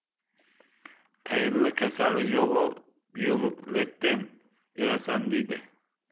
tayinli kasali yo'g'u byulleten berasan deydi